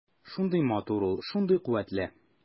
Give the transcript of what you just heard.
Шундый матур ул, шундый куәтле.